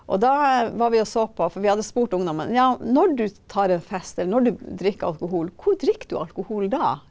og da var vi og så på for vi hadde spurt ungdommen, ja når du tar en fest eller når du drikker alkohol, hvor drikker du alkohol da?